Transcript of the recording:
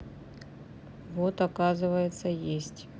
вот оказывается есть